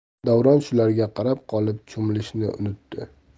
davron shularga qarab qolib cho'milishni unutdi